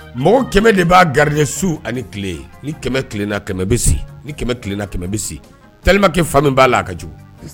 Mɔgɔ kɛmɛ de b'a garijɛ su ani tile ni kɛmɛ tilenna kɛmɛ ni kɛmɛ tilenna kɛmɛ bɛ tkɛ fan min b'a la a ka ju